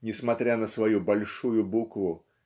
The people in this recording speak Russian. несмотря на свою большую букву